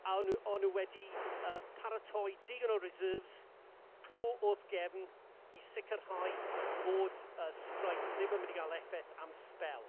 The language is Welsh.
A o'n nhw o'n nhw wedi yy paratoi digon o reserves, glo wrth gefn i sicrhau bod y streic ddim yn mynd i gael effaith am sbel.